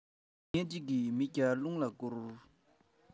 མི ངན གཅིག གིས མི བརྒྱ རླུང ལ བསྐུར